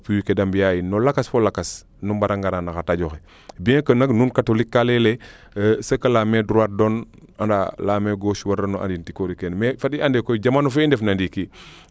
no puits ke de mbiya yiin no lakas fo lakas nu mbara ngara no xa radio xe bien que nak nuun catolique ka leyele se que la main droite donne la main gauche wariiran o an tokorik keene mais fat i ande koy jamono fene i ndef na ndiiki